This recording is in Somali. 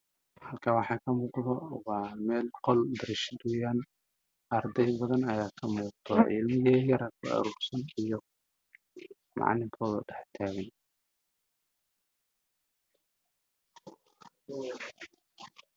Halkaan waxaa ka Muuqdo waa meel qol dariishad weeyaan arday badan ayaa ka muuqato iyo macalinkooda oo dhex taagan